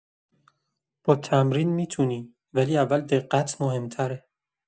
با تمرین می‌تونی، ولی اول دقت مهم‌تره.